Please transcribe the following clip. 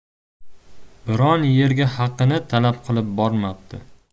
biron yerga haqini talab qilib bormabdi